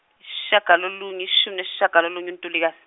isishiyagalolunye ishumi nesishiyagalolunye uNtulikazi.